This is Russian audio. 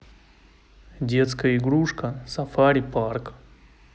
детская игрушка сафари парк